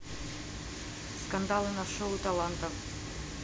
скандалы на шоу талантов